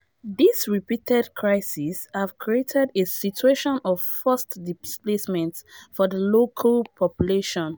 These repeated crises have created a situation of forced displacement for the local population.